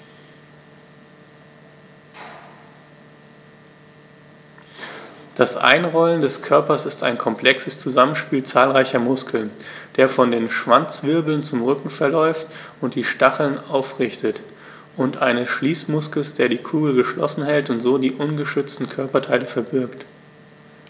Das Einrollen des Körpers ist ein komplexes Zusammenspiel zahlreicher Muskeln, der von den Schwanzwirbeln zum Rücken verläuft und die Stacheln aufrichtet, und eines Schließmuskels, der die Kugel geschlossen hält und so die ungeschützten Körperteile verbirgt.